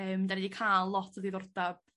Yym 'dan ni 'di ca'l lot o ddiddordab